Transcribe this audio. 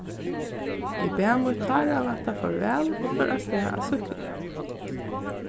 eg bað mítt táravætta farvæl og fór avstað á súkkluni